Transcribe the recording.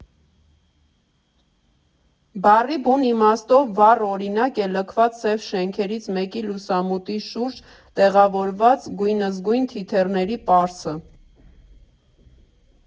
Բառի բուն իմաստով վառ օրինակ է լքված սև շենքերից մեկի լուսամուտի շուրջ տեղավորված գույնզգույն թիթեռների պարսը։